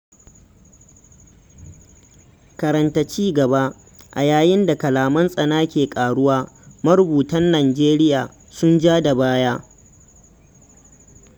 Karanta cigaba: A yayin da kalaman tsana ke ƙaruwa, Marubutan Nijeriya sun ja da baya.